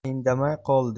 indamay qoldi